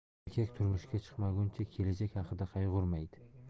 erkak turmushga chiqmaguncha kelajak haqida qayg'urmaydi